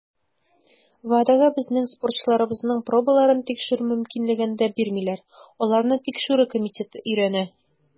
WADAга безнең спортчыларыбызның пробаларын тикшерү мөмкинлеген дә бирмиләр - аларны Тикшерү комитеты өйрәнә.